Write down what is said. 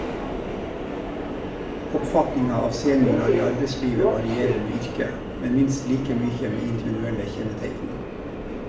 Oppfatninga av seniorar i arbeidslivet varierer med yrke, men minst like mykje med individuelle kjenneteikn.